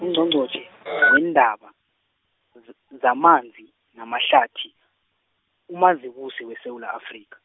Ungqongqotjhe, weendaba, z- zamanzi namahlathi, uMazibuse weSewula Afrika.